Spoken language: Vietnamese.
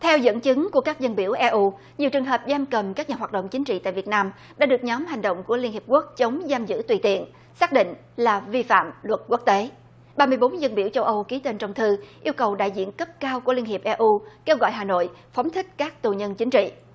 theo dẫn chứng của các dân biểu e u nhiều trường hợp giam cầm các nhà hoạt động chính trị tại việt nam đã được nhóm hành động của liên hiệp quốc chống giam giữ tùy tiện xác định là vi phạm luật quốc tế ba mươi bốn dân biểu châu âu ký tên trong thư yêu cầu đại diện cấp cao của liên hiệp e u kêu gọi hà nội phóng thích các tù nhân chính trị